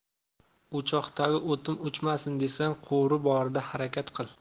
o'choqdagi o'tim o'chmasin desang qo'ri borida harakat qil